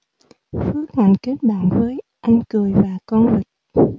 phước hạnh kết bạn với anh cười và con vịt